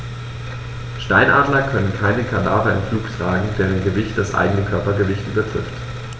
Steinadler können keine Kadaver im Flug tragen, deren Gewicht das eigene Körpergewicht übertrifft.